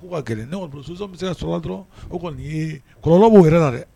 Ko ka gɛlɛn . Ne kɔni bolo solution bi se ka sɔrɔ a la dɔrɔn. O kɔni ye kɔlɔlɔ bo yɛrɛ la dɛ.